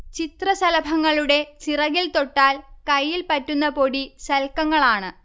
ചിത്രശലഭങ്ങളുടെ ചിറകിൽത്തൊട്ടാൽ കൈയിൽ പറ്റുന്ന പൊടി ശൽക്കങ്ങളാണ്